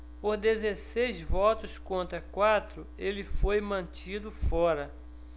por dezesseis votos contra quatro ele foi mantido fora